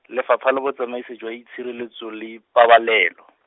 Lefapha la Botsamaisi jwa Itshireletso le Ipabalelo.